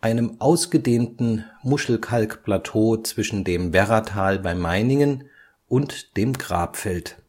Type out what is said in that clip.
einem ausgedehnten Muschelkalkplateau zwischen dem Werratal bei Meiningen und dem Grabfeld